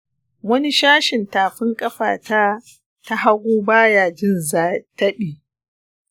wani sashen tafin ƙafata ta hagu ba ya jin taɓi.